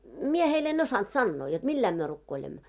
minä heille en osannut sanoa jotta millä lailla me rukoilemme